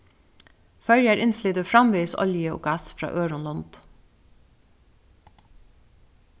føroyar innflytur framvegis olju og gass frá øðrum londum